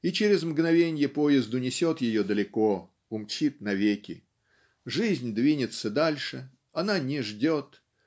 и через мгновенье поезд унесет ее далеко умчит навеки жизнь двинется дальше она не ждет